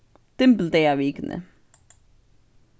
dymbildagavikuni